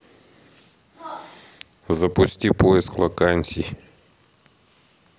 запусти поиск вакансий